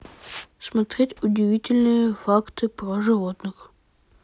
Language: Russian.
смотреть удивительные факты про животных